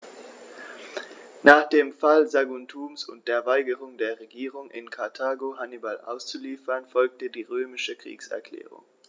Nach dem Fall Saguntums und der Weigerung der Regierung in Karthago, Hannibal auszuliefern, folgte die römische Kriegserklärung.